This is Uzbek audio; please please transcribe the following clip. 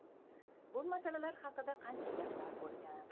bu masalalar haqida qancha gaplar bo'lgan